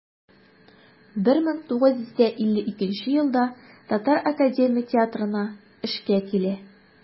1952 елда татар академия театрына эшкә килә.